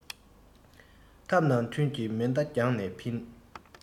ཐབས རྣམས འཕྲུལ གྱི མེ མདའ རྒྱང ནས འཕེན